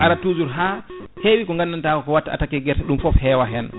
ara toujours ha hewi ko gandanta ko watta attaqué guerte ɗum foof heewa hen